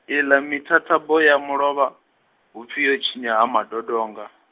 i ḽa mithathabo ya mulovha, hupfi yo tshinya Ha Madodonga.